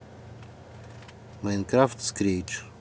майнкрафт скрейдж